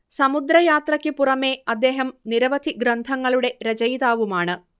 സമുദ്ര യാത്രക്ക് പുറമെ അദ്ദേഹം നിരവധി ഗ്രന്ഥങ്ങളുടെ രചയിതാവുമാണ്